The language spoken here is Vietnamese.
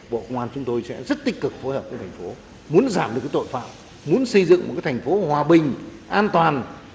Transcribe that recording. bộ công an chúng tôi sẽ rất tích cực phối hợp với thành phố muốn giảm được cái tội phạm muốn xây dựng một cái thành phố hòa bình an toàn